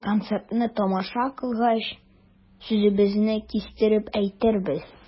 Концертны тамаша кылгач, сүзебезне кистереп әйтербез.